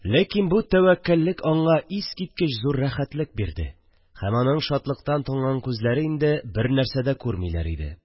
Ләкин бу тәвәккәллек аңа искиткеч зур рәхәтлек бирде һәм аның шатлыктан тонган күзләре инде бернәрсә дә күрмиләр иде